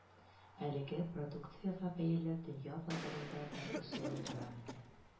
Әлеге продукциягә бәяләр дөнья базарында да үсүен дәвам итә